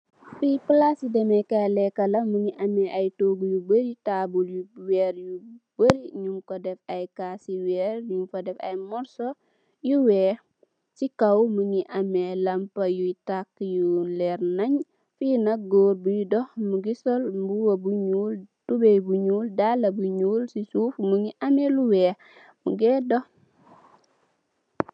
pi pulaFi palasi demèè kay lekka la, mugii ameh ay tóógu yu bari, tabull yi wèèr yu bari ñing ko dèf ay kassi wèèr, ñing fa def ay morso yu wèèx ci kaw mugii ameh lamp yu takka yu leer nañ. Fi nak gór buy dox mugii sol mbuba bu ñuul, tubay bu ñuul, dalla bu ñuul. Ci suuf mugii ameh lu wèèx mugii dox.